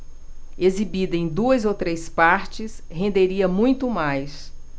exibida em duas ou três partes renderia muito mais